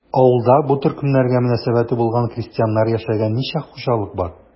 Авылда бу төркемнәргә мөнәсәбәте булган крестьяннар яшәгән ничә хуҗалык бар?